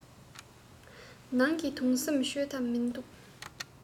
ནང གི དུང སེམས ཆོད ཐབས མིན འདུག